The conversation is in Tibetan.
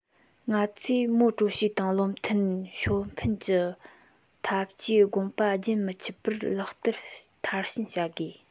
ང ཚོས མའོ ཀྲུའུ ཞི དང བློ མཐུན ཞའོ ཕིན གྱི འཐབ ཇུས དགོངས པ རྒྱུན མི འཆད པར ལག བསྟར མཐར ཕྱིན བྱ དགོས